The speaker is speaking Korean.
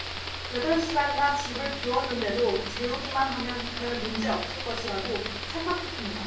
여덟 시간이나 집을 비웠는데도 재우기만하면 별문제 없을 것이라고 착각했습니다